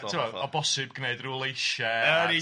A ti'bod o bosib gneud ryw leisia'.